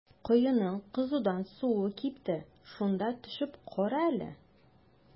Коеның кызудан суы кипте, шунда төшеп кара әле.